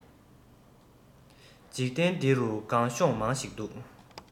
འཇིག རྟེན འདི རུ སྒང གཤོང མང ཞིག འདུག